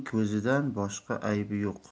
ko'zidan boshqa aybi yo'q